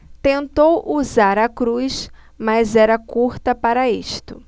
tentou usar a cruz mas era curta para isto